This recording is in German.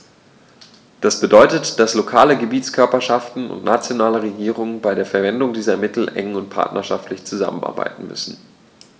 Das bedeutet, dass lokale Gebietskörperschaften und nationale Regierungen bei der Verwendung dieser Mittel eng und partnerschaftlich zusammenarbeiten müssen.